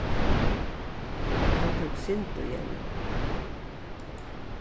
hann tók synd í henni